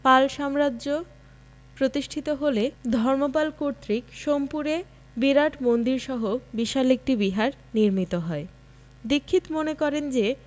পাল সাম্রাজ্য প্রতিষ্ঠিত হলে ধর্মপাল কর্তৃক সোমপুরে বিরাট মন্দিরসহ বিশাল একটি বিহার নির্মিত হয় দীক্ষিত মনে করেন যে